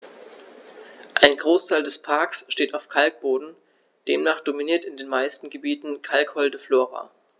Ein Großteil des Parks steht auf Kalkboden, demnach dominiert in den meisten Gebieten kalkholde Flora.